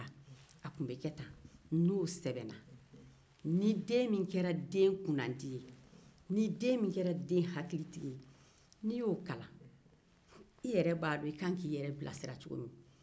n'o sɛbɛnna ni den min kɛra den kunnandi ye n'i yo kalan i b'a dɔn i ka kan k'i yɛrɛ bilasira cogo min na